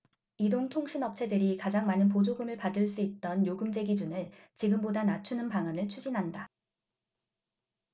이동통신업체들이 가장 많은 보조금을 받을 수 있던 요금제 기준을 지금보다 낮추는 방안을 추진한다